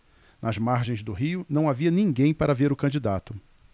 nas margens do rio não havia ninguém para ver o candidato